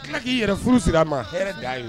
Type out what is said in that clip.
K tila k'i yɛrɛ furu siri a ma hɛrɛ dan ye